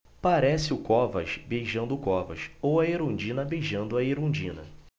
parece o covas beijando o covas ou a erundina beijando a erundina